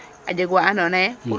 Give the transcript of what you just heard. a jeg wa andoona yee